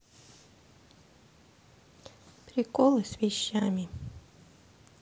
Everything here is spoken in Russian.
приколы с вещами